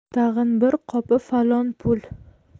tag'in bir qopi falon pul